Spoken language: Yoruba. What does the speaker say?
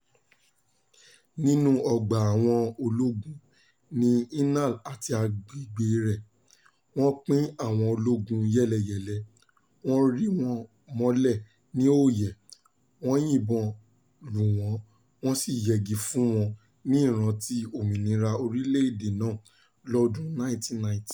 Nínú ọgbà àwọn ológun ní Inal àti àgbègbè rẹ̀, wọ́n pín àwọn ológun yẹ́lẹyẹ̀lẹ, wọ́n rì wọ́n mọ́lẹ̀ ní òòyẹ̀, wọ́n yìnbọn lù wọ́n, wọ́n sì yẹgi fún wọn ní ìrántí òmìnira orílẹ̀-èdè náà lọ́dún 1990.